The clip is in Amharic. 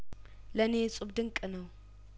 ለእኔ እጹብ ድንቅ ነው